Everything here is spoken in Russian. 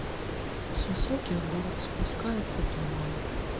с высоких гор спускается туман